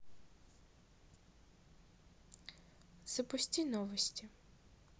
запусти новости